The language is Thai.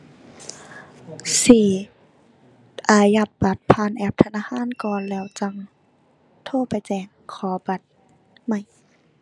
สิอายัดบัตรผ่านแอปธนาคารก่อน แล้วจั่งโทรไปแจ้งขอบัตรใหม่